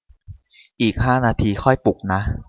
อีกห้านาทีค่อยปลุกนะ